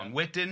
ond wedyn.